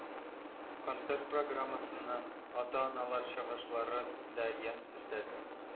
Концерт программасына ата-аналар чыгышлары да ямь өстәде